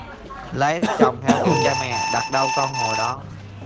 lấy chồng theo kiểu cha mẹ đặt đâu con ngồi đó